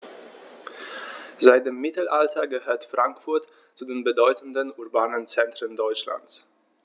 Seit dem Mittelalter gehört Frankfurt zu den bedeutenden urbanen Zentren Deutschlands.